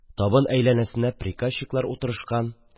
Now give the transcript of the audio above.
Табын әйләнәсенә приказчиклар утырышкан.